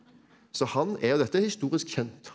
så han er dette er historisk kjent.